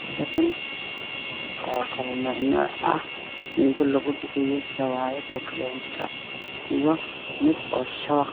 Waa icun oo kala nuuc ah midi lugu bixiyo oo sawaayada oo kale ah, mid shabaq